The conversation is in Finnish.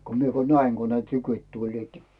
kun minä kun näin kun ne tykit tulivat